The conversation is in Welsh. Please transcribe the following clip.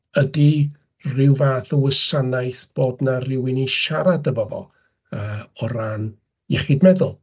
Ydy ryw fath o wasanaeth bod 'na rywun i siarad efo fo, yy o ran iechyd meddwl?